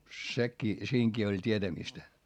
sekin siinäkin oli tietämistä